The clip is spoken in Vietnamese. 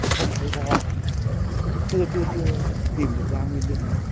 không thấy có hoa cũng chưa chưa chưa tìm được ra nguyên nhân